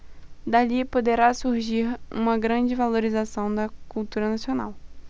dali poderá surgir uma grande valorização da cultura nacional